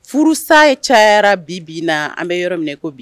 Furusa ye cayayara bi bin na an bɛ yɔrɔ min minɛ ko bi